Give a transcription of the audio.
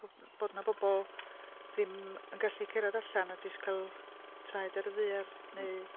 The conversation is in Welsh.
Bod 'na bobl ddim yn gallu cerdded allan a jyst cael traed ar y ddaear neu...